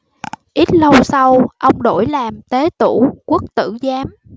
ít lâu sau ông đổi làm tế tửu quốc tử giám